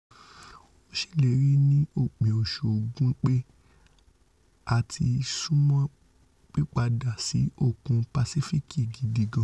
ó ṣèlérí ní òpin oṣù Ògún pe ''A ti súnmọ pípadà sí Òkun Pàsif́ìkì gidi gáàn''.